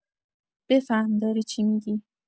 بفهم داری چی می‌گی.